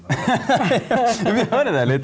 vi hører den litt.